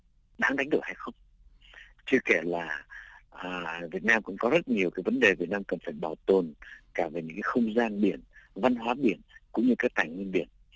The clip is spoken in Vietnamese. đáng đánh đổi hay không chưa kể là ở việt nam cũng có rất nhiều vấn đề việt nam cần phải bảo tồn cả về những không gian biển văn hóa biển cũng như các tài nguyên biển